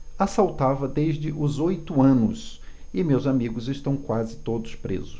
assaltava desde os oito anos e meus amigos estão quase todos presos